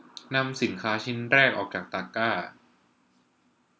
นำสินค้าชิ้นแรกออกจากตะกร้า